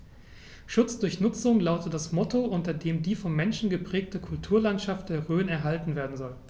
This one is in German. „Schutz durch Nutzung“ lautet das Motto, unter dem die vom Menschen geprägte Kulturlandschaft der Rhön erhalten werden soll.